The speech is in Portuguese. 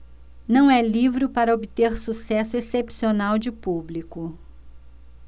não é livro para obter sucesso excepcional de público